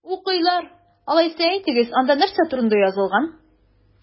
Укыйлар! Алайса, әйтегез, анда нәрсә турында язылган?